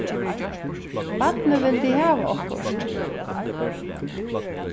barnið vildi hava okkurt